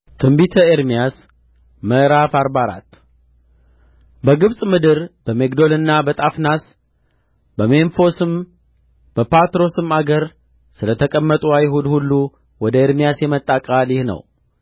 ትንቢተ ኤርምያስ ምዕራፍ አርባ አራት በግብጽ ምድር በሚግዶልና በጣፍናስ በሜምፎስም በጳትሮስም አገር ስለ ተቀመጡ አይሁድ ሁሉ ወደ ኤርምያስ የመጣ ቃል ይህ ነው